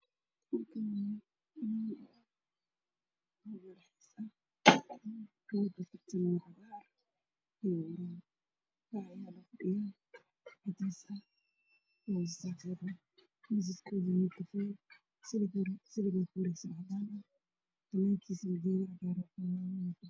Waa maqaayad barxad ah waxaa ii muuqda kuraas iyo miisas Eoogga dhulka waa cagaar